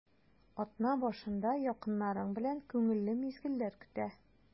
Атна башында якыннарың белән күңелле мизгелләр көтә.